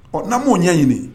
Ɔ n' m'o ɲɛɲini